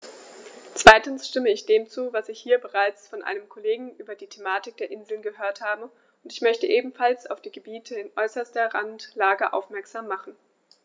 Zweitens stimme ich dem zu, was ich hier bereits von einem Kollegen über die Thematik der Inseln gehört habe, und ich möchte ebenfalls auf die Gebiete in äußerster Randlage aufmerksam machen.